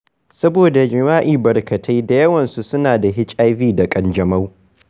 Saboda jima'i barkatai, da yawansu suna da HIV da ƙanjamau.